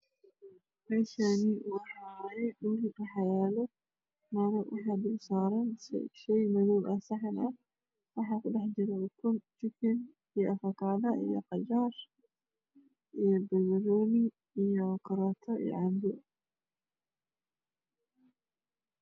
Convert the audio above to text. Meeshaani waxaa yaalo maro waxaa dul saaran shay madow ah saxan ah waxaa ku dhex jiro ukun jikin afakaadgo iyo qajaar iyo banbanooni iyo karooto iyo canbo